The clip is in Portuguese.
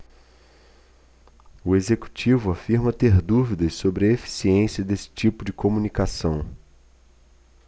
o executivo afirma ter dúvidas sobre a eficiência desse tipo de comunicação